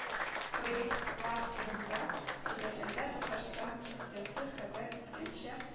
Проектлар турында сөйләгәндә, татарстан президенты хәбәр иткәнчә